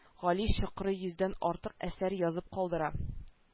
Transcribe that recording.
Гали чокрый йөздән артык әсәр язып калдыра